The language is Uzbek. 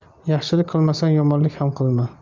yaxshilik qilmasang yomonlik ham qilma